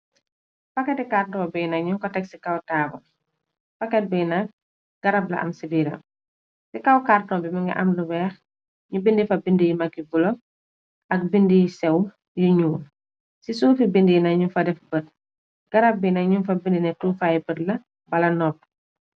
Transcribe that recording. Pakati kàrdoo bi nañu ko teg ci kaw taaba pakat bi na garab la am siviira ci kaw karton bi mi nga am lu weex ñu bind fa bind yi mag yi bulo ak bindiy sew yu ñuu ci suurfi bind yi nañu fa def bët garab bi nañu fa bindni tuufaay bër la bala noppou.